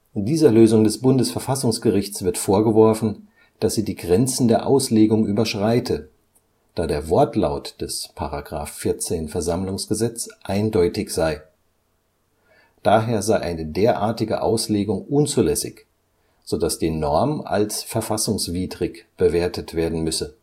Dieser Lösung des Bundesverfassungsgerichts wird vorgeworfen, dass sie die Grenzen der Auslegung überschreite, da der Wortlaut des § 14 VersammlG eindeutig sei. Daher sei eine derartige Auslegung unzulässig, sodass die Norm als verfassungswidrig bewertet werden müsse